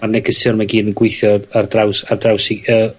...ma'r negeseuon 'ma i gyd yn gweithio ar draws ar draws 'u yy